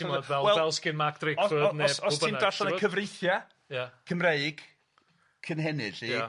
Ti'n gwbod fel fel sgin Mark Drakeford ne' pw' bynnag... Os ti'n darllen y cyfreithia'... Ia. ...Cymreig cynhenid 'lly... Ia.